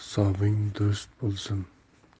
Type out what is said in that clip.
hisobing durust bo'lsin